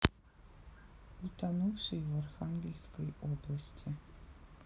утонувший в архангельской области